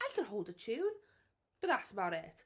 I can hold a tune, but that's about it.